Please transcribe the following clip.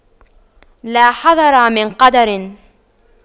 لا حذر من قدر